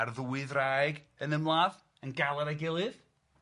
A'r ddwy ddraig yn ymladd, yn galad a'i gilydd. Ia.